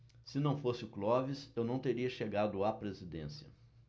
se não fosse o clóvis eu não teria chegado à presidência